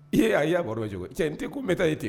Ee a y'a' dɔn ye cogo cɛ n tɛ ko bɛ taa e ye ten